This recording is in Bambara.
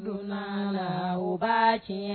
Lon b' tiɲɛ